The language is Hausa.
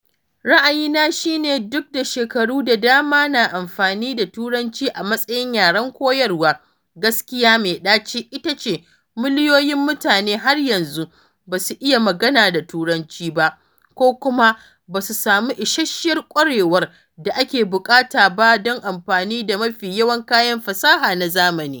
Ra’ayina shi ne duk da shekaru da dama na amfani da Turanci a matsayin yaran koyarwa, gaskiya mai ɗaci ita ce, miliyoyin mutane har yanzu ba su iya magana da Turancin ba, ko kuma ba su samu isasshiyar ƙwarewar da ake buƙata ba don amfani da mafi yawan kayan fasaha na zamani ba.